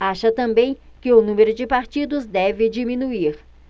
acha também que o número de partidos deve diminuir